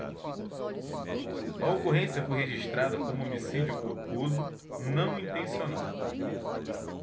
a ocorrência foi registrada como homicídio culposo não intencional